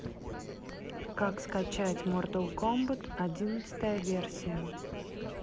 как скачать мортал комбат одиннадцатая версия